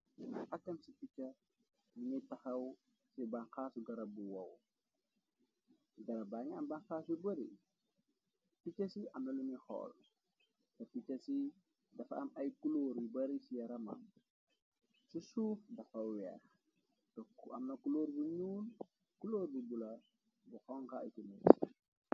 Akam ci picha mingi taxaw ci banxaasu garab bu waw, garab baa ngi am banxaas yu bari, picca ci ana luni xool, te picha ci dafa am ay kulóor yu bari ci yaramam, ci suuf dafa weex, dokku amna kulóor bu ñuul, kulóor bu bula, bu xonxa.